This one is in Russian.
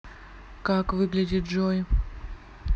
как выглядит джой